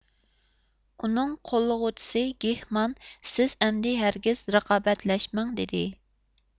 ئۇنىڭ قوللىغۇچىسى گېخمان سىز ئەمدى ھەرگىز رىقابەتلەشمەڭ دېدى